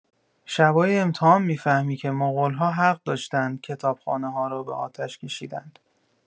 شبای امتحان می‌فهمی که مغول‌ها حق داشتند کتابخانه‌ها رو به آتش کشیدند.